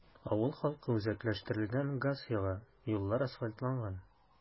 Авыл халкы үзәкләштерелгән газ яга, юллар асфальтланган.